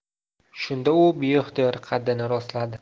shunda u beixtiyor qaddini rostladi